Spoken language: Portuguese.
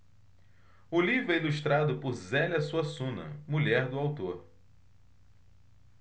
o livro é ilustrado por zélia suassuna mulher do autor